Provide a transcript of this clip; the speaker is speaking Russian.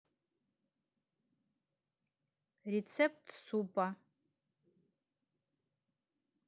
рецепт супа